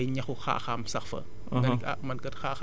peut être ay ñaxu xaaxaam sax fa